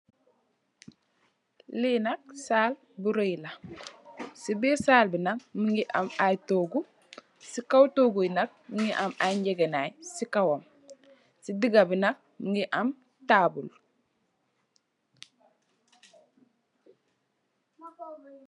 Li nak saal bu raag la si birr saal bi nak mogi am ay togu si kaw togu yi mogi am ay ngegenay si kawam si diga bi nak mogi am tabul.